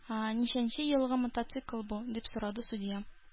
Ничәнче елгы мотоцикл бу? – дип сорады судья.